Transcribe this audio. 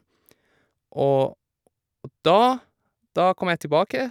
og Og da da kom jeg tilbake.